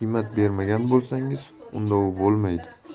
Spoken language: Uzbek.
bermagan bo'lsangiz unda u bo'lmaydi